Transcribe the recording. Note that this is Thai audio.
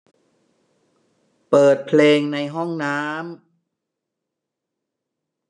เปิดเพลงในห้องน้ำ